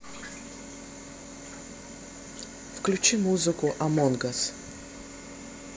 включи музыку амонг ас